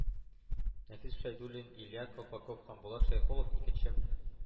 Нәфис Шәйдуллин, Илья Колпаков һәм Булат Шәйхуллов – икенче,